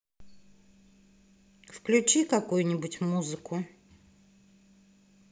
включи какую нибудь музыку